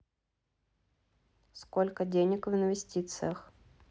сколько денег в инвестициях